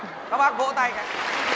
các bác vỗ tay cái